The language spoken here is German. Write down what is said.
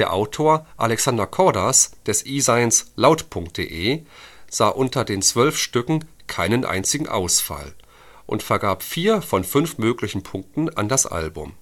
Autor Alexander Cordas des E-Zines laut.de sah unter den zwölf Stücken „ keinen einzigen Ausfall “und vergab vier von fünf möglichen Punkten an das Album